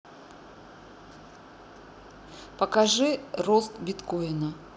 покажи рост биткоина